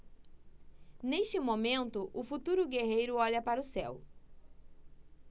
neste momento o futuro guerreiro olha para o céu